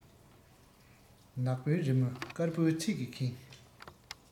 ནག པོའི རི མོ དཀར པོའི ཚིག གིས ཁེངས